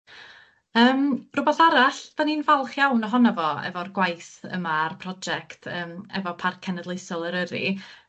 Yym, rwbath arall 'dan ni'n falch iawn ohono fo efo'r gwaith yma a'r project yym efo Parc Cenedlaethol Eryri